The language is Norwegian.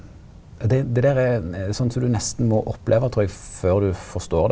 det det der er sånn som du nesten må oppleva trur eg før du forstår det.